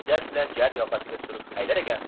shiddat bilan jar yoqasiga surib haydarkan